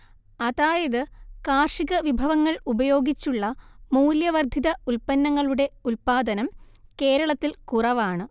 അതായത് കാർഷികവിഭവങ്ങൾ ഉപയോഗിച്ചുള്ള മൂല്യവർദ്ധിത ഉൽപ്പന്നങ്ങളുടെ ഉല്പാദനം കേരളത്തിൽ കുറവാണ്